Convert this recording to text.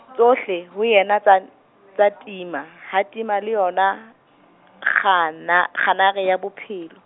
tsohle, ho yena tsa, tsa tima, ha tima le yona , kgana-, kganare ya bophelo.